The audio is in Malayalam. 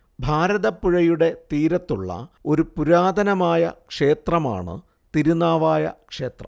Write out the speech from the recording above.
ഭാരതപ്പുഴയുടെ തീരത്തുള്ള ഒരു പുരാതനമായ ക്ഷേത്രമാണ് തിരുനാവായ ക്ഷേത്രം